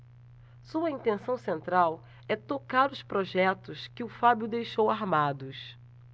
sua intenção central é tocar os projetos que o fábio deixou armados